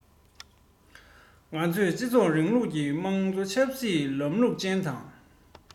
ང ཚོས སྤྱི ཚོགས རིང ལུགས ཀྱི དམངས གཙོ ཆབ སྲིད ལམ ལུགས ཅན དང